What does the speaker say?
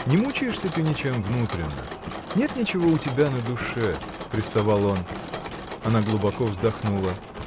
— Не мучаешься ты ничем внутренно? Нет ничего у тебя на душе?. — приставал он. Она глубоко вздохнула.